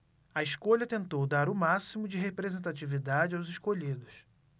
a escolha tentou dar o máximo de representatividade aos escolhidos